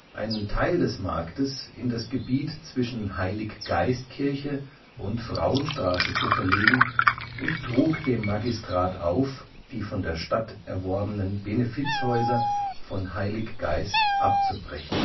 einen Teil des Marktes in das Gebiet zwischen Heilig-Geist-Kirche und Frauenstraße zu verlegen und trug dem Magistrat auf, die von der Stadt erworbenen Benefizhäuser von Heiliggeist abzubrechen